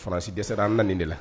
Fsi dɛsɛ an na de la